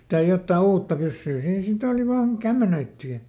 mitä jotakin uutta pyssyä siinä sitten oli vain kämmenöity ja